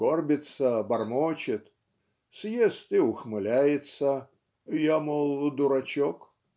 Горбится, бормочет, Съест и ухмыляется: я, мол, дурачок.